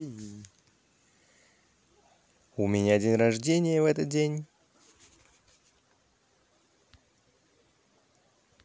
у меня день рождения в этот день